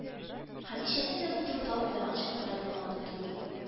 Хәдичәнең дә бу турыда уйлаган чаклары булмады түгел